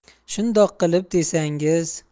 shundoq qilib desangiz